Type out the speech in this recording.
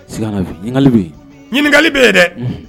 S ɲininkakali bɛ yen ɲininkakali bɛ yen dɛ